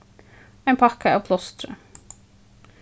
ein pakka av plástri